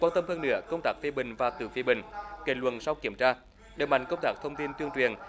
quan tâm hơn nữa công tác phê bình và tự phê bình kết luận sau kiểm tra đẩy mạnh công tác thông tin tuyên truyền